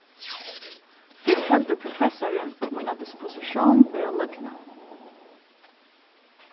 fyrst heldur professarin mína dispositión vera løgna